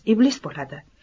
iblis bo'ladi